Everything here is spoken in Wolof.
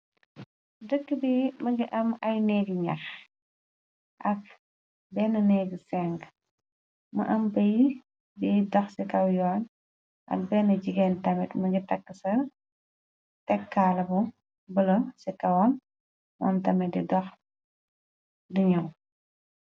Dëkk bi mënga am ay néggi ñjah ak benn néggi më am béy biy doh ci kaw yoon ak benn jigéen tamit mëngi takk sar tek kaala bu bëlo ci kawoon mon tamit di doh di ñaw.